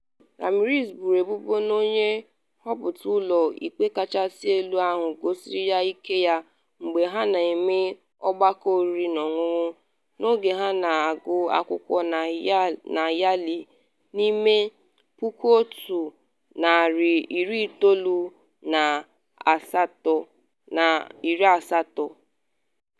Ramirez boro ebubo n’onye nhọpụta Ụlọ Ikpe Kachasị Elu ahụ gosiri ya ike ya mgbe ha na-eme ọgbakọ oriri na ọṅụṅụ n’oge ha na-agụ akwụkwọ na Yale n’ime 1980s.